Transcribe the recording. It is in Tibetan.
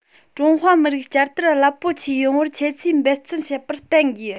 ཀྲུང ཧྭ མི རིགས བསྐྱར དར རླབས པོ ཆེ ཡོང བར ཁྱེད ཚོས འབད བརྩོན བྱེད པར བརྟེན དགོས